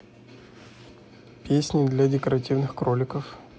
песни для декоративных кроликов